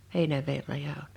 Heinäveden raja on